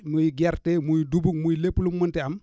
muy gerte uy dugub muy lépp lu mu munti am